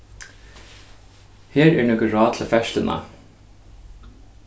her eru nøkur ráð til ferðsluna